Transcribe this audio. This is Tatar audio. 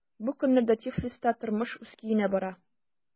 Бу көннәрдә Тифлиста тормыш үз көенә бара.